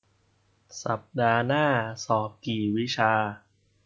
สัปดาห์หน้าสอบกี่วิชา